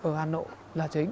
ở hà nội là chính